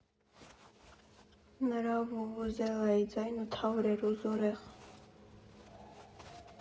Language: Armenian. Նրա վուվուզելայի ձայնը թավ էր ու զորեղ։